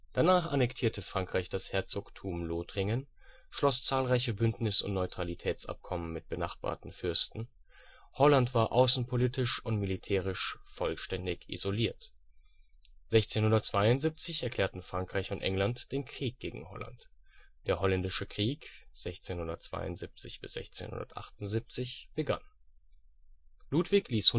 Danach annektierte Frankreich das Herzogtum Lothringen, schloss zahlreiche Bündnis - und Neutralitätsabkommen mit benachbarten Fürsten. Holland war außenpolitisch und militärisch vollständig isoliert. 1672 erklärten Frankreich und England den Krieg gegen Holland, der Holländische Krieg (1672 – 1678) begann. Ludwig ließ